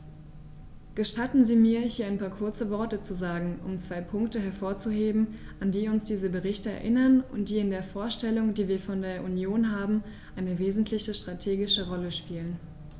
Gestatten Sie mir, hier ein paar kurze Worte zu sagen, um zwei Punkte hervorzuheben, an die uns diese Berichte erinnern und die in der Vorstellung, die wir von der Union haben, eine wesentliche strategische Rolle spielen.